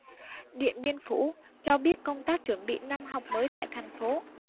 điện biên phủ cho biết công tác chuẩn bị năm học mới tại thành phố